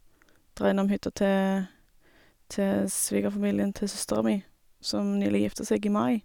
Dra innom hytta til til svigerfamilien til søstera mi, som nylig gifta seg, i mai.